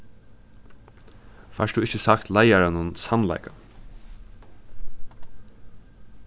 fært tú ikki sagt leiðaranum sannleikan